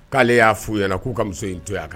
K'ale y'a f'u yala la k'u ka muso in toya kan